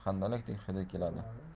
va handalak hidi keladi